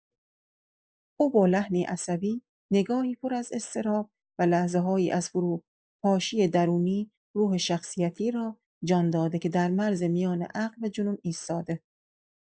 او با لحنی عصبی، نگاهی پر از اضطراب، و لحظه‌هایی از فروپاشی درونی، روح شخصیتی را جان داده که در مرز میان عقل و جنون ایستاده.